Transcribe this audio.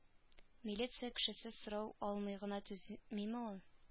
Милиция кешесе сорау алмый гына түзмиме ул